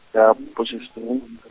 ya, Potchefstroom.